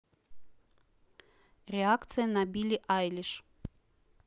реакция на билли айлиш